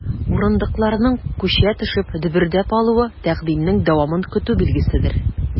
Урындыкларның, күчә төшеп, дөбердәп алуы— тәкъдимнең дәвамын көтү билгеседер.